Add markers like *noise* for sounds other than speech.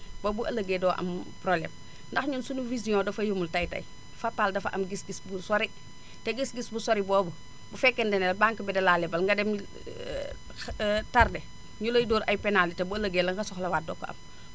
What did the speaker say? ba bu ëllëgee doo am problème ndax ñun suñu vision dafa yemul tey tey Fapal dafa am gis-gis bu sori te gis-gis bu sori boobu bu fekkente ne banque dalaa lebal nga dem *hesitation* tardé ñu lay dóor ay penalité bu ëllëgee la nga soxlawaat doo ko am